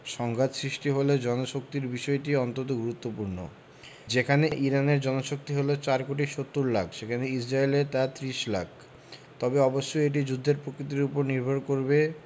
সংঘাত সৃষ্টি হলে জনশক্তির বিষয়টি অন্তত গুরুত্বপূর্ণ যেখানে ইরানের জনশক্তি হলো ৪ কোটি ৭০ লাখ সেখানে ইসরায়েলের তা ৩০ লাখ তবে অবশ্যই এটি যুদ্ধের প্রকৃতির ওপর নির্ভর করবে